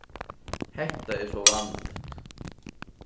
hetta er so vanligt